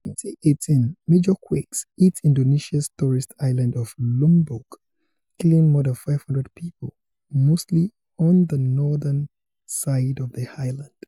2018: Major quakes hit Indonesia's tourist island of Lombok, killing more than 500 people, mostly on the northern side of the island.